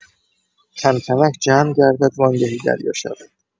کم‌کمک جمع گردد وانگهی دریا شود